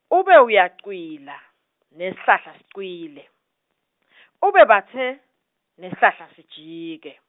ube uyacwila, nesihlahla sicwile , ube batse, nesihlahla sijike.